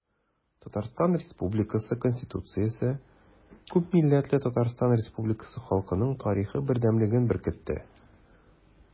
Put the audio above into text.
Татарстан Республикасы Конституциясе күпмилләтле Татарстан Республикасы халкының тарихы бердәмлеген беркетте.